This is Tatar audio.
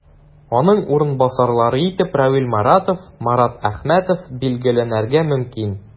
Аның урынбасарлары итеп Равил Моратов, Марат Әхмәтов билгеләнергә мөмкин.